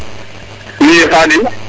oui Khadim